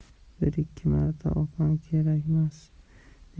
bir ikki marta opam kerakmas